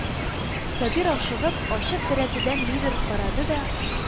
Сабир, ашыгып, ачык тәрәзәдән нидер карады да: